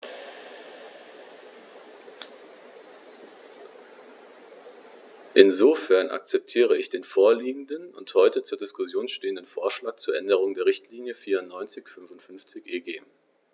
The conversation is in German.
Insofern akzeptiere ich den vorliegenden und heute zur Diskussion stehenden Vorschlag zur Änderung der Richtlinie 94/55/EG.